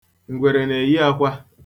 Ngwere na-eyi akwa.